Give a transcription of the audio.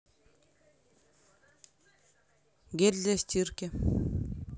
гель для стирки